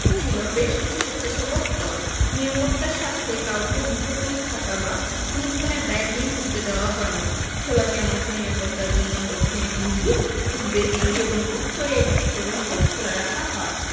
ছিল বেশ কিছু স্বেচ্ছাসেবক দল নিরাপত্তার স্বার্থে কাউকে মুঠোফোন ছাতা বা কোনো ধরনের ব্যাগ নিয়ে ঢুকতে দেওয়া হয়নি শোলাকিয়া মাঠের নিরাপত্তার জন্য দক্ষিণে তিনটি পূর্বে তিনটি এবং উত্তর পাশে একটি প্রবেশপথ খোলা রাখা হয়